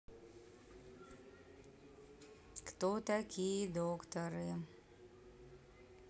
кто такие докторы